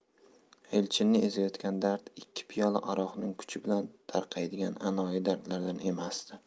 elchinni ezayotgan dard ikki piyola aroqning kuchi bilan tarqaydigan anoyi dardlardan emasdi